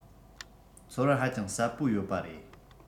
ཚོར བ ཧ ཅང ཟབ པོ ཡོད པ རེད